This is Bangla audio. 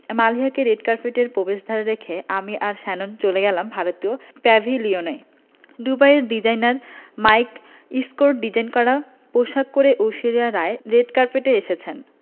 মালিহাকে রেড কার্পেটের প্রবেশদ্বারে রেখে আমি আর শ্যানন চলে গেলাম ভারতীয় প্যাভিলিয়নে দুবাইয়ের ডিজাইনার মাইক সিঙ্কোর ডিজাইন করা পোশাক করে ঐশ্বরিয়া রাই রেড কার্পেটে এসেছেন